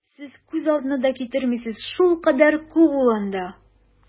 Сез күз алдына да китермисез, шулкадәр күп ул анда!